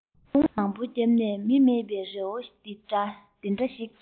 ལུང མང པོ བརྒྱབ ནས མི མེད པའི རི བོ འདི འདྲ ཞིག